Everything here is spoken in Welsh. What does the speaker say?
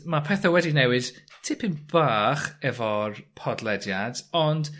...ma' pethe wedi newid tipyn bach efo'r podlediad ond